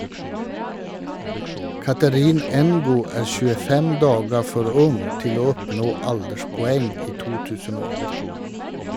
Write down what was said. Catherine Ngo er 25 dager for ung til å oppnå alderspoeng i 2008.